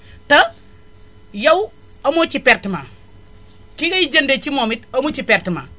te yow amoo ci pertement ki ngay jëndee ci moom it amu ci pertement